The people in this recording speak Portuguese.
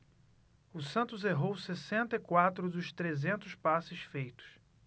o santos errou sessenta e quatro dos trezentos passes feitos